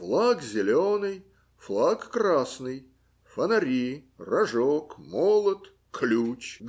флаг зеленый, флаг красный, фонари, рожок, молот, ключ